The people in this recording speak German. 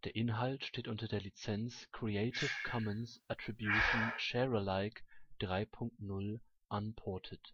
Inhalt steht unter der Lizenz Creative Commons Attribution Share Alike 3 Punkt 0 Unported